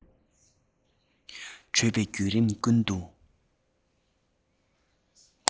བྲོས པའི བརྒྱུད རིམ ཀུན ཏུ